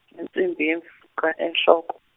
insimbi yemfica enhloko.